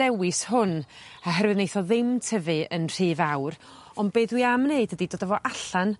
dewis hwn oherwydd neith o ddim tyfu yn rhy fawr on' be' dwi am neud ydi dod â fo allan